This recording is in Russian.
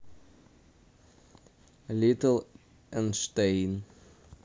литл энштейн